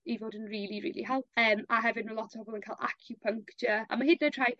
i fod yn rili rili help. Yym a hefyd ma' lot o pobol yn ca'l acupuncture. A ma' hyd yn oed rhai